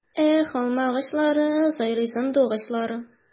Эх, алмагачлары, сайрый сандугачлары!